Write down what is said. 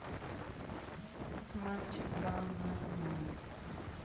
мальчик бананан